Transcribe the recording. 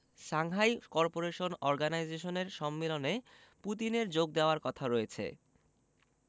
Shanghai corporation অর্গানাইজেশনের সম্মেলনে পুতিনের যোগ দেওয়ার কথা রয়েছে